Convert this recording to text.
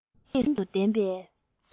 ལྷན སྐྱེས སུ ལྡན པའི